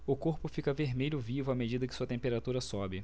o corpo fica vermelho vivo à medida que sua temperatura sobe